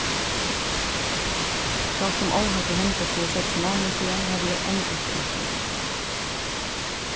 sjálvt um óhappið hendi fyri seks mánaðum síðan havi eg enn ilt í nakkanum